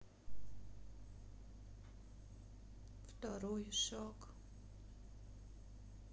второй шаг